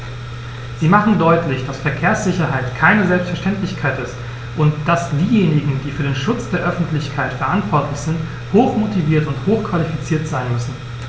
Sie machen deutlich, dass Verkehrssicherheit keine Selbstverständlichkeit ist und dass diejenigen, die für den Schutz der Öffentlichkeit verantwortlich sind, hochmotiviert und hochqualifiziert sein müssen.